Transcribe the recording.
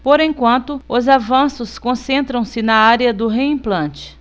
por enquanto os avanços concentram-se na área do reimplante